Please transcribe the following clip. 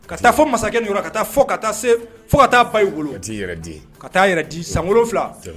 Ka taa fɔ masakɛ ninnu ka taa fo ka taa se fo ka taa ba wolo yɛrɛ ka taa yɛrɛ di san wolonwula